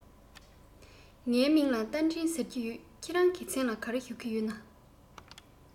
ངའི མིང ལ རྟ མགྲིན ཟེར གྱི ཡོད ཁྱེད རང གི མཚན ལ གང ཞུ གི ཡོད ན